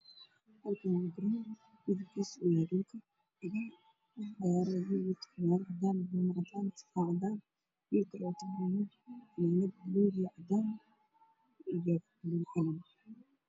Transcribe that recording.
Meeshan waa garoon waxa ay muuqda wiil wata fanaanada caddaan fanaanad buluug ah oo ay ka dambeeyeen dad farabadan